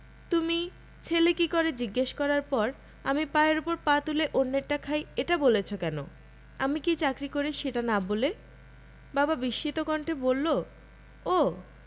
তুমি ছেলে কী করে জিজ্ঞেস করার পর আমি পায়ের ওপর পা তুলে অন্যেরটা খাই এটা বলেছ কেন আমি কী চাকরি করি সেটা না বলে বাবা বিস্মিত কণ্ঠে বলল ও